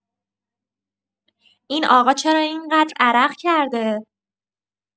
این آقا چرا این‌قدر عرق کرده؟